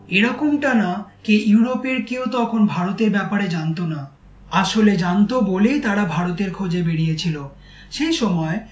এরকমটা না যে ইউরোপের কেউ তখন ভারতের ব্যাপারে জানতো না আসলে জানত বলেই তারা ভারতের খোঁজে বেরিয়ে ছিল সেই সময়